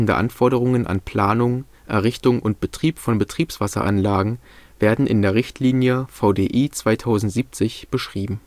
Anforderungen an Planung, Errichtung und Betrieb von Betriebswasseranlagen werden in der Richtlinie VDI 2070 beschrieben